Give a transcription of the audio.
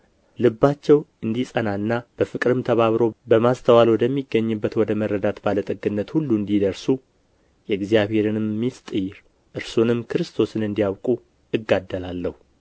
ልባቸው እንዲጸናና በፍቅርም ተባብረው በማስተዋል ወደሚገኝበት ወደ መረዳት ባለ ጠግነት ሁሉ እንዲደርሱ የእግዚአብሔርንም ምሥጢር እርሱንም ክርስቶስን እንዲያውቁ እጋደላለሁ